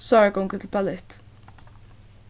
sára gongur til ballett